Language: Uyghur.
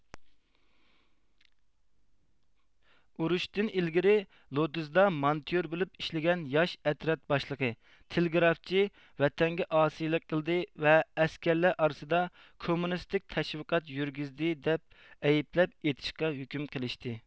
ئۇرۇشتىن ئىلگىرى لودزدا مانتيور بولۇپ ئىشلىگەن ياش ئەترەت باشلىقى تېلېگرافچى ۋەتەنگە ئاسىيلىق قىلدى ۋە ئەسكەرلەر ئارىسىدا كوممۇنىستىك تەشۋىقات يۈرگۈزدى دەپ ئەيىبلەپ ئېتىشقا ھۆكۈم قىلىشتى